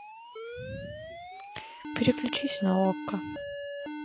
переключись на окко